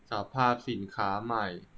สภาพสินค้าสินค้าใหม่